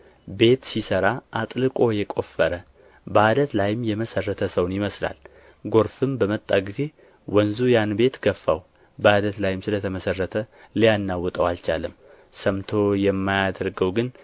ቤት ሲሠራ አጥልቆ የቆፈረ በዓለት ላይም የመሠረተ ሰውን ይመስላል ጐርፍም በመጣ ጊዜ ወንዙ ያን ቤት ገፋው በዓለት ላይም ስለ ተመሠረተ ሊያናውጠው አልቻለም ሰምቶ የማያደርገው ግን